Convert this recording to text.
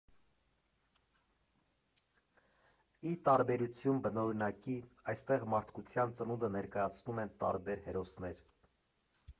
Ի տարբերություն բնօրինակի, այստեղ մարդկության ծնունդը ներկայացնում են տարբեր հերոսներ։